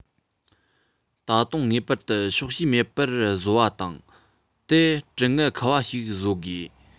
ད དུང ངེས པར དུ ཕྱོགས གཤིས མེད པར བཟོ བ དང དེ དྲི ངན ཁ བ ཞིག བཟོ དགོས